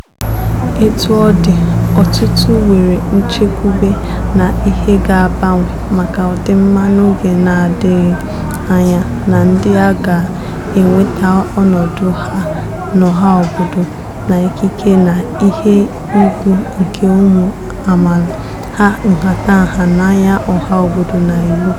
Etu ọ dị, ọtụtụ nwere nchekwube na ihe ga-agbanwe maka ọdịmma n'oge na-adịghị anya na ndị a ga-enweta ọnọdụ ha n'ọha obodo na ikike na ihe ùgwù nke ụmụ amaala haa nhatanha n'anya ọha obodo na iwu